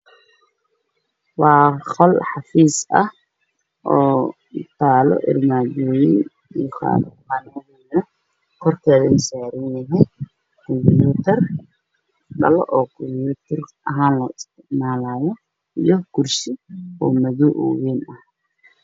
Waa qol xafiis ah waxaa yaalo armaajooyin, waxaa saaran dhalo oo kumiitar ahaan loo isticmaalaayo iyo kursi wayn oo madow ah.